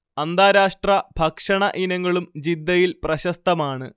അന്താരാഷ്ട്ര ഭക്ഷണ ഇനങ്ങളും ജിദ്ദയിൽ പ്രശസ്തമാണ്